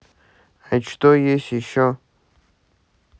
а что есть еще